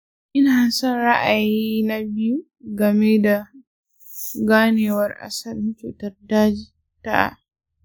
ina son ra'ayi na biyu game da ganewar asalin cutar ciwon daji ta.